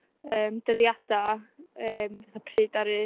yym dyddiada' yym fatha' pryd ddaru